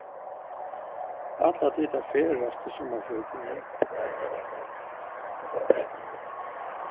ætla tit at ferðast í summarfrítíðini